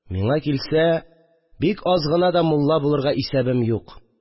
Миңа килсә, минем аз гына да мулла булырга исәбем юк